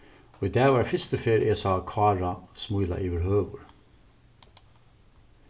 í dag var fyrstu ferð eg sá kára smíla yvirhøvur